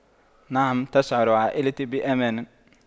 نعم تشعر عائلتي بأمان